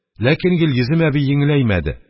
Ләкин Гөлйөзем әби йиңеләймәде.